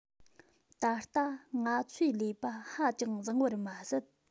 ད ལྟ ང ཚོས ལས པ ཧ ཅང བཟང བར མ ཟད